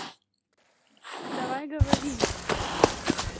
давай говори